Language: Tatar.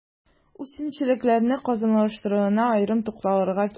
Үсемлекчелектәге казанышларына аерым тукталырга кирәк.